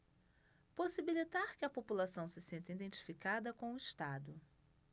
possibilitar que a população se sinta identificada com o estado